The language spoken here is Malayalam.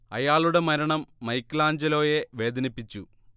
അയാളുടെ മരണം മൈക്കെലാഞ്ചലോയെ വേദനിപ്പിച്ചു